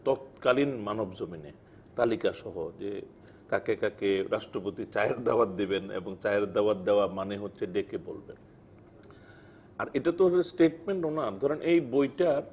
তৎকালীন মানবজমিনে তালিকা সহজে কাকে কাকে রাষ্ট্রপতি চায়ের দাওয়াত দেবেন এবং চায়ের দাওয়াত দেয়ার মানে হচ্ছে ডেকে বলবেন আর এটা তো স্টেটমেন্টও না ধরেন এই বইটা